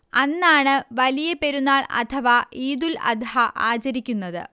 അന്നാണ് വലിയ പെരുന്നാൾ അഥവാ ഈദുൽ അദ്ഹ ആചരിയ്ക്കുന്നത്